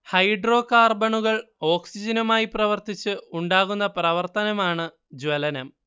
ഹൈഡ്രോകാർബണുകൾ ഓക്സിജനുമായി പ്രവർത്തിച്ച് ഉണ്ടാകുന്ന പ്രവർത്തനമാണ് ജ്വലനം